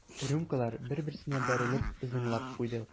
Рюмкалар бер-берсенә бәрелеп зыңлап куйды.